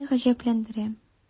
Мине гаҗәпләндерә: